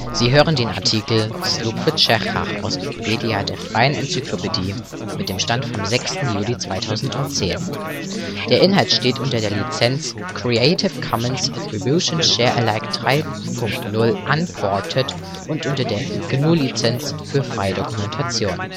Sie hören den Artikel Sloup v Čechách, aus Wikipedia, der freien Enzyklopädie. Mit dem Stand vom Der Inhalt steht unter der Lizenz Creative Commons Attribution Share Alike 3 Punkt 0 Unported und unter der GNU Lizenz für freie Dokumentation